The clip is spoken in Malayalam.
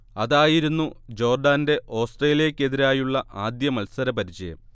അതായിരുന്നു ജോർഡാന്റെ ഓസ്ട്രേലിയക്കെതിരായുള്ള ആദ്യ മത്സരപരിചയം